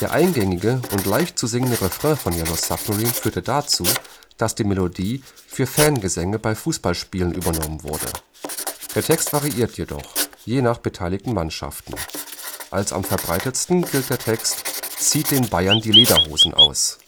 eingängige und leicht zu singende Refrain von „ Yellow Submarine “führte dazu, dass die Melodie für Fangesänge bei Fußballspielen übernommen wurde. Der Text variiert jedoch – je nach beteiligten Mannschaften. Als am verbreitetsten gilt der Text: „ Zieht den Bayern die Lederhosen aus